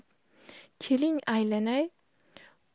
keling aylanay